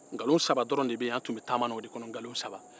an tun bɛ taama na nkalon saba de kɔnɔ